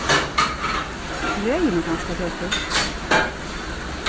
regin er kanska tøkur